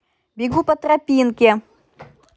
бегу по тропинке